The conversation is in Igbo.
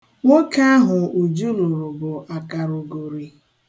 Nwoke ahụ Uju lụrụ bụ akaraogori.